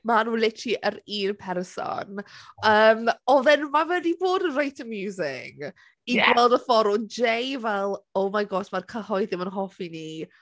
Ma' nhw literally yr un person. Yym, oedd e'n ma' fe 'di bod yn reit amusing I gweld y ffordd oedd Jay fel, "Oh my gosh mae'r cyhoedd ddim yn hoffi ni"...